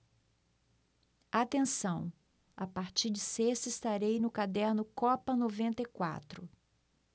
atenção a partir de sexta estarei no caderno copa noventa e quatro